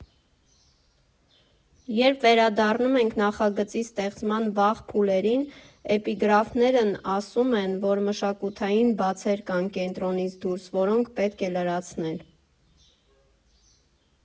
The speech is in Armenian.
Երբ վերադառնում ենք նախագծի ստեղծման վաղ փուլերին, էպիգրաֆցիներն ասում են, որ մշակութային բացեր կան կենտրոնից դուրս, որոնք պետք է լրացնել։